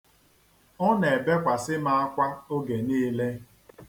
Ọ na-ebekwasị m akwa oge niile.